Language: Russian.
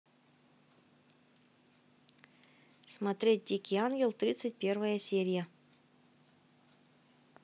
смотреть дикий ангел тридцать первая серия